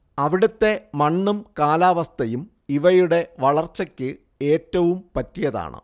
അവിടത്തെ മണ്ണും കാലാവസ്ഥയും ഇവയുടെ വളർച്ചയ്ക്ക് ഏറ്റവും പറ്റിയതാണ്